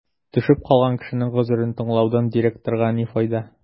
Төшеп калган кешенең гозерен тыңлаудан директорга ни файда?